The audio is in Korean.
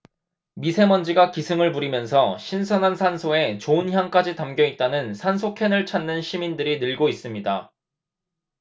미세먼지가 기승을 부리면서 신선한 산소에 좋은 향까지 담겨 있다는 산소캔을 찾는 시민들이 늘고 있습니다